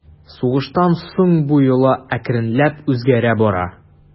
Сугыштан соң бу йола әкренләп үзгәрә бара.